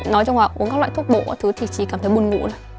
nói chung là uống các loại thuốc bổ thuốc các thứ thì chỉ cảm thấy buồn ngủ thôi